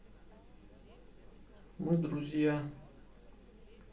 мы друзья